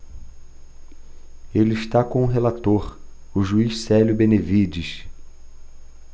ele está com o relator o juiz célio benevides